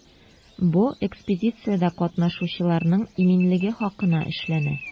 Бу экспедициядә катнашучыларның иминлеге хакына эшләнә.